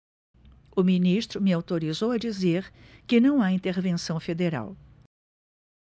o ministro me autorizou a dizer que não há intervenção federal